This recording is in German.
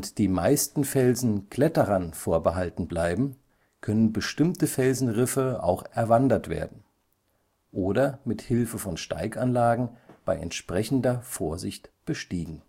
die meisten Felsen Kletterern vorbehalten bleiben, können bestimmte Felsenriffe auch erwandert (z. B. Buhlsteine, Heidenpfeiler und Rötzenstein) oder mit Hilfe von Steiganlagen bei entsprechender Vorsicht bestiegen